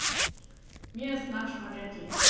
Mir ist nach Spaghetti.